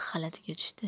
xalatiga tushdi